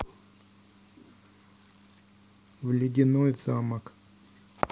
в ледяной замок